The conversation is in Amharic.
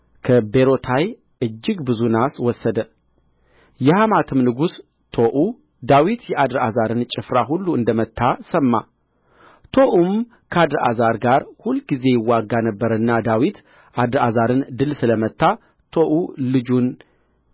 ከቤጣሕና ከቤሮታይ እጅግ ብዙ ናስ ወሰደ የሐማትም ንጉሥ ቶዑ ዳዊት የአድርአዛርን ጭፍራ ሁሉ እንደ መታ ሰማ ቶዑም ከአድርአዛር ጋር ሁልጊዜ ይዋጋ ነበርና ዳዊት አድርአዛርን ድል ስለ መታ ቶዑ ልጁን